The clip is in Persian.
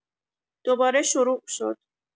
دوباره شروع شد